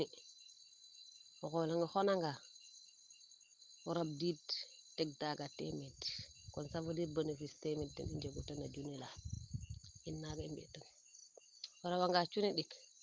junni o ngoola nge xona nga o rab diid teg taaga teemed kon ca veux dire benefice teemed ten i njengu teen na junni laa in naaga i mbi tan o rawa nga cunni ɗik